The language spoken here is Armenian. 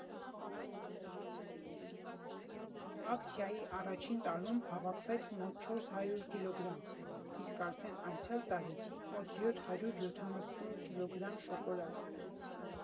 Ակցիայի առաջին տարում հավաքվեց մոտ չորս հարյուր կգ, իսկ արդեն անցյալ տարի՝ մոտ յոթ հարյուր յոթանասուն կգ շոկոլադ։